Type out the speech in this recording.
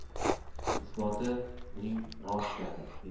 isbot uning rost gapi